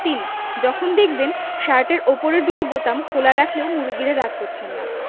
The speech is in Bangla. ৩. যখন দেখবেন শার্টের ওপরের দুটি বোতাম খোলা রাখলেও মুরব্বিরা রাগ করছেন না